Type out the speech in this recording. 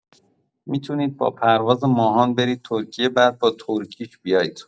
می‌تونید با پرواز ماهان برید ترکیه بعد با ترکیش بیاید.